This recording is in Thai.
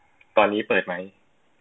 ตอนนี้เปิดไหม